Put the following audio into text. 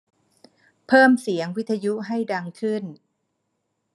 เพิ่มเสียงวิทยุให้ดังขึ้น